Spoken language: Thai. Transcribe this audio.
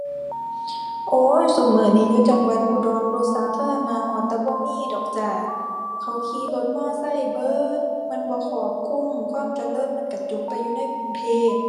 โอ้ย ซุมื้อนี้อยู่จังหวัดอุดร รถสาธารณะฮอดแต่บ่มีดอกจ้า เขาขี่รถมอไซค์เบิด มันบ่ครอบคลุม ความเจริญมันกระจุกแต่อยู่ในกรุงเทพ